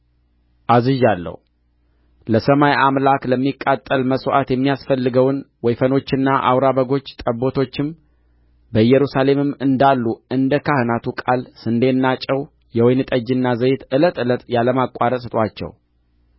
አዝዣለሁ ለሰማይ አምላክ ለሚቃጠል መሥዋዕት የሚያስፈልገውን ወይፈኖችና አውራ በጎች ጠቦቶችም በኢየሩሳሌምም እንዳሉ እንደ ካህናቱ ቃል ስንዴና ጨው የወይን ጠጅና ዘይት ዕለት ዕለት ያለማቋረጥ ስጡአቸው